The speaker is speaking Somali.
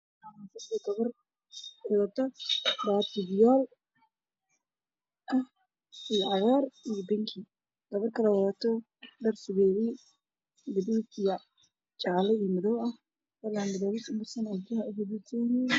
Halka halkan waxa iga muuqatay laba gabdhood